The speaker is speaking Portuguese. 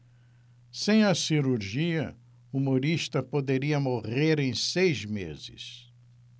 sem a cirurgia humorista poderia morrer em seis meses